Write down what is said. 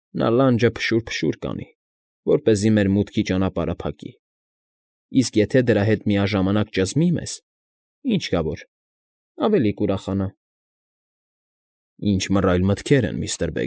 Նա լանջը փշուր֊փշուր կանի, որպեսզի մեր մուտքի ճանապարհը փակի, իսկ եթե դրա հետ միաժամանակ ճզմի մեզ, ինչ կա որ, ավելի կուրախանա։ ֊ Ի՜նչ մռայլ մտքեր են, միստր։